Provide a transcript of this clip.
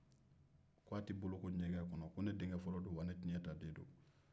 ko a tɛ boloko ɲɛgɛ kɔnɔ ko ne denkɛ fɔlɔ de don wa ne tiɲɛ ta den do